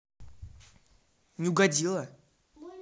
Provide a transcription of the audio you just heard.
не угодила